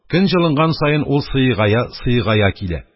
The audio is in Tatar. Көн җылынган саен, ул сыегая-сыегая килә.